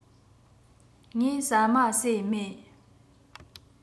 ངས ཟ མ ཟོས མེད